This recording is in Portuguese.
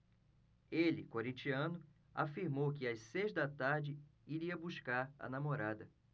ele corintiano afirmou que às seis da tarde iria buscar a namorada